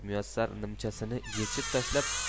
muyassar nimchasini yechib tashlab